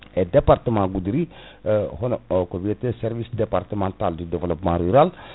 e département Goudiri hono ko wiyete service départemental du développement rural